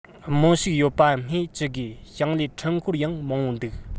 རྨོན ཕྱུགས ཡོད པ སྨོས ཅི དགོས ཞིང ལས འཕྲུལ འཁོར ཡང མང བོ འདུག